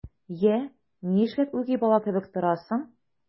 Йә, нишләп үги бала кебек торасың?